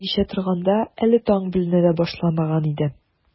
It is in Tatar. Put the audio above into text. Хәдичә торганда, әле таң беленә дә башламаган иде.